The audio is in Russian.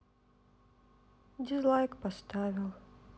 дизлайк поставил